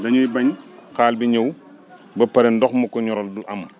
dañuy bañ xaal bi ñëw ba pare ndox mu ko ñoral du am